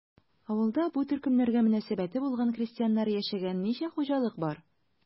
Авылда бу төркемнәргә мөнәсәбәте булган крестьяннар яшәгән ничә хуҗалык бар?